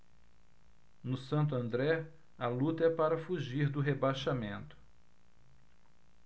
no santo andré a luta é para fugir do rebaixamento